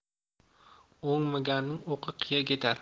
o'ngmaganning o'qi qiya ketar